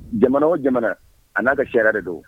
Jamana o jamana a n'a ka sɛɛrɛ de don